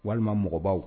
Walima mɔgɔ baw